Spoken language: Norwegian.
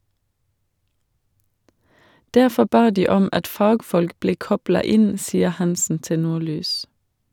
Derfor ba de om at fagfolk ble kobla inn, sier Hansen til Nordlys.